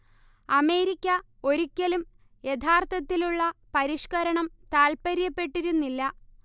America ഒരിക്കലും യഥാർത്ഥത്തിലുള്ള പരിഷ്കരണം താല്പര്യപ്പെട്ടിരുന്നില്ല